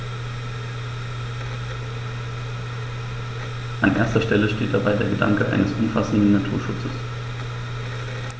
An erster Stelle steht dabei der Gedanke eines umfassenden Naturschutzes.